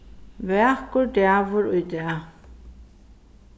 vakur dagur í dag